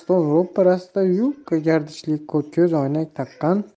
stol ro'parasida yupqa gardishli ko'zoynak taqqan